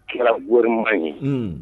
Kɛra wariman ye